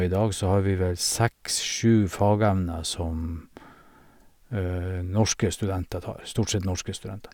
I dag så har vi vel seks sju fagemner som norske studenter tar, stort sett norske studenter.